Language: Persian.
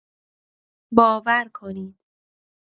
باور کنید